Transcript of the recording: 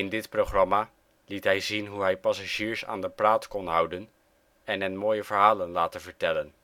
dit programma liet hij zien hoe hij passagiers aan de praat kon houden en hen mooie verhalen laten vertellen